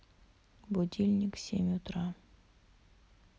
будильник семь утра